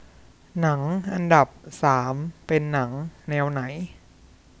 หนังอันดับสามเป็นหนังแนวไหน